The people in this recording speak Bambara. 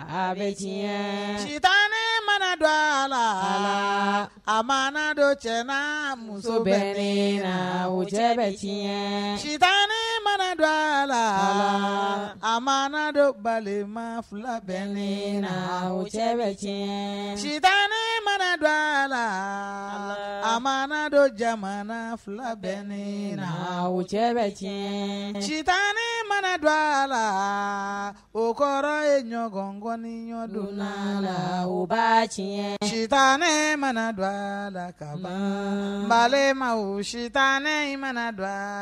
A bɛta mana don a la a ma dɔ cɛ muso bɛ ne wo cɛ bɛ cita mana don a la a ma dɔ balima fila bɛ le na wo cɛ bɛ cɛ cita mana dɔ a la a ma don jamana fila bɛ ne o cɛ bɛ tiɲɛ ci tan ne mana don a la o kɔrɔ ye ɲɔgɔn ŋɔni ɲɔgɔndon la la u ba tiɲɛ citan ne mana don a la ka balima wo sita in mana don